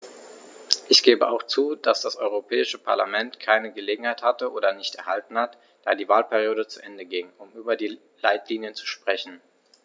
Ich gebe auch zu, dass das Europäische Parlament keine Gelegenheit hatte - oder nicht erhalten hat, da die Wahlperiode zu Ende ging -, um über die Leitlinien zu sprechen.